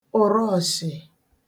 ụrọ̀ọ̀shị̀